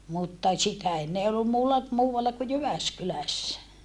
mutta sitä ennen ei ollut muulla muualla kuin Jyväskylässä